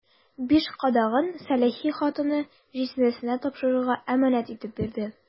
Биш кадагын сәләхи хатыны җизнәсенә тапшырырга әманәт итеп бирде.